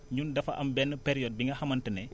ñun dafa am benn période bi nga xamante ne